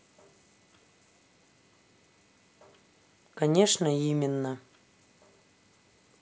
конечно именно